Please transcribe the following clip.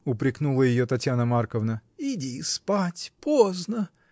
— упрекнула ее Татьяна Марковна, — иди спать — поздно!